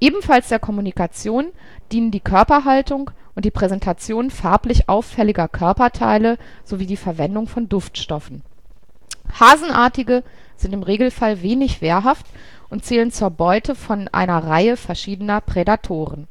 Ebenfalls der Kommunikation dienen die Körperhaltung und die Präsentation farblich auffälliger Körperteile sowie die Verwendung von Duftstoffen. Hasenartige sind im Regelfall wenig wehrhaft und zählen zur Beute von einer Reihe verschiedener Prädatoren